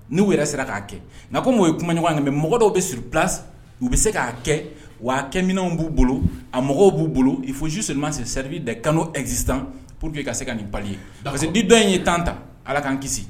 N'u yɛrɛ sera k'a kɛ nka ko mɔgɔ ye kumaɲɔgɔn kan mɛ mɔgɔ dɔw bɛ s siri bila u bɛ se k'a kɛ wa kɛminw b'u bolo a mɔgɔw b'u bolo i fɔ su sirima se sebi da kanu ɛ sisan pur que ka se ka nin bali ye parce que di dɔ in ye tan ta ala k'an kisi